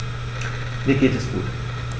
Mir geht es gut.